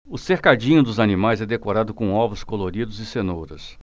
o cercadinho dos animais é decorado com ovos coloridos e cenouras